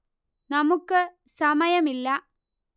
നമുക്ക് സമയമില്ല